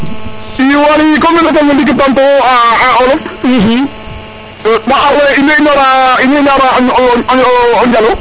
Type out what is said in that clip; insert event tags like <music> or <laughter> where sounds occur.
<unintelligible> ndiki a pamtu wu na olof in way inora o Njalo